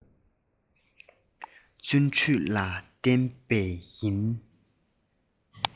བརྩོན འགྲུས ལ བརྟེན པས ཡིན